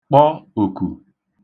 kpọ òkù